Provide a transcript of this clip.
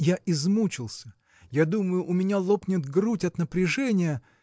Я измучился; я думаю, у меня лопнет грудь от напряжения.